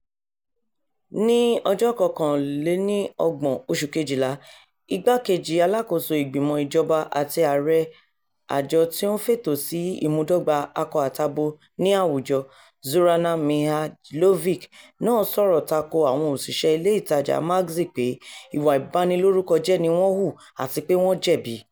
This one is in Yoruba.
Ní 31 oṣù kejìlá, Igbá-kejì Alákòóso Ìgbìmọ̀ Ìjọba àti Ààrẹ Àjọ-tí-ó-ń-fètò-sí Ìmúdọ́gba Akọ-àtabo ní àwùjọ, Zorana Mihajlović náà sọ̀rọ̀ tako àwọn òṣìṣẹ́ ilé ìtajà Maxi pé “ìwà ìbanilórúkọjẹ́ ni wọ́n hù àti pé wọ́n jẹ̀bi.